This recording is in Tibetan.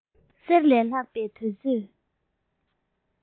གསེར ལས ལྷག པའི དུས ཚོད